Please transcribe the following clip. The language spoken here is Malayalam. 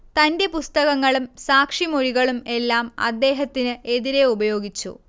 തന്റെ പുസ്തകങ്ങളും സാക്ഷിമൊഴികളും എല്ലാം അദ്ദേഹത്തിന് എതിരെ ഉപയോഗിച്ചു